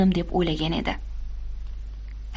deb o'ylagan edi